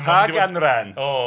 Pa ganran?... O!